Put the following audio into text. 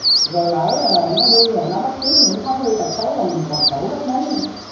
rồi lỡ ờ nó đi nó bắt chước những thói hư tật xấu là mình còn khổ gấp mấy nữa